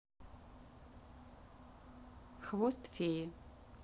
хвост феи